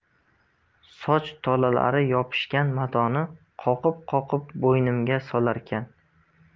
soch tolalari yopishgan matoni qoqib qoqib bo'ynimga solarkan